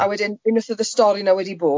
...a wedyn unwaith oedd y stori na wedi bod... M-hm.